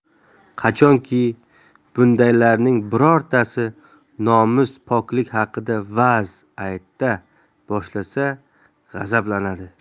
qachonki bundaylarning birontasi nomus poklik haqida va'z ayta boshlasa g'azablanadi